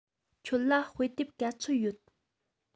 ཁྱོད ལ དཔེ དེབ ག ཚོད ཡོད